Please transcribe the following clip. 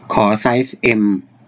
ขอไซส์เอ็ม